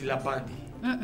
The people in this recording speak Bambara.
Ra baara di